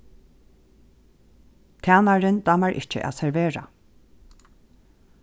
tænarin dámar ikki at servera